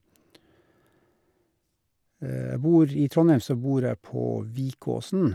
jeg bor I Trondheim så bor jeg på Vikåsen.